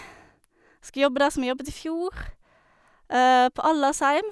Skal jobbe der som jeg jobbet i fjor, på aldersheim.